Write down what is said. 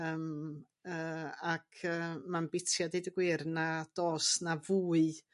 Yym yy ac yy ma'n biti a deud y gwir nad o's 'na fwy